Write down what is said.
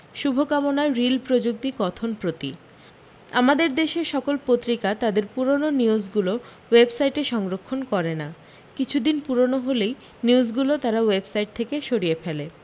শুভ কামনা রিল প্রযুক্তি কথন প্রতি আমাদের দেশের সকল পত্রিকা তাদের পুরনো নিউজগুলো ওয়েবসাইটে সংরক্ষণ করে না কিছুদিন পুরনো হলেই নিউজগুলো তারা ওয়েবসাইট থেকে সরিয়ে ফেলে